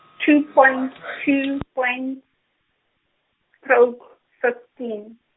two point, two point, stroke, fifteen.